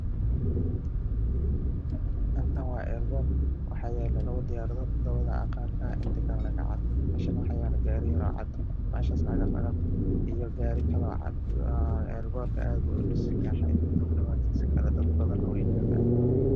Meeshan waa eleboorka aadan cade ee magaalada muqdisho waxaa joogo laba diyaar oo cagaar ah iyo cadaan